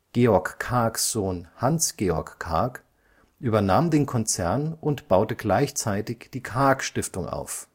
Georg Kargs Sohn Hans-Georg Karg übernahm den Konzern und baute gleichzeitig die Karg-Stiftung auf